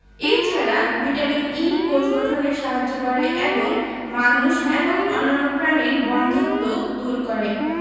এ ছাড়া vitamin E কোষ গঠনে সাহায্য করে এবং মানুষ এবং অন্যান্য প্রাণীর বন্ধ্যাত্ব দূর করে